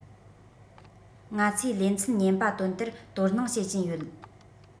ང ཚོས ལེ ཚན ཉེན པ དོན དེར དོ སྣང བྱེད ཀྱིན ཡོད